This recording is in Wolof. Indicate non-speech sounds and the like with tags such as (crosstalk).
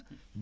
(hesitation) (hesitation)